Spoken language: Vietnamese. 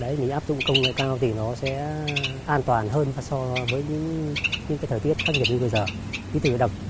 đấy mình áp dụng công nghệ cao thì nó sẽ an toàn hơn so với những nhưng khi thời tiết khắc nghiệt như bây giờ ví thử đặc